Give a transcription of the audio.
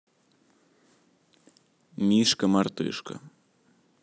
мишка мартышка